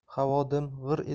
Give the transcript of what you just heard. havo dim g'ir